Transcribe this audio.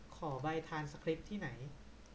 ขอใบทรานสคริปต์ที่ไหน